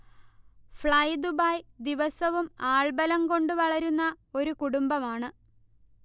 fly Dubai ദിവസവും ആൾബലം കൊണ്ട് വളരുന്ന ഒരു കുടുംബമാണ്